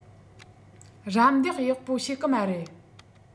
རམས འདེགས ཡག པོ བྱེད གི མ རེད